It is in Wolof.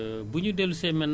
ba ci jumtukaay yi